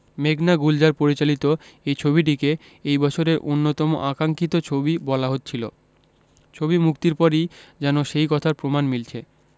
মেঘনা গুলজার পরিচালিত এই ছবিটিকে এই বছরের অন্যতম আকাঙ্খিত ছবি বলা হচ্ছিল ছবি মুক্তির পরই যেন সেই কথার প্রমাণ মিলছে